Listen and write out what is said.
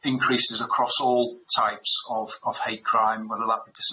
increases across all types of of hate crime whether that